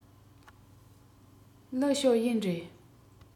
ལིའི ཞའོ ཡན རེད